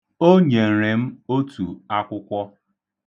O nyere m otu akwụkwọ.